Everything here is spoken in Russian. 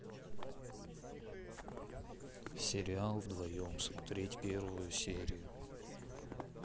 сериал вдвоем смотреть первую серию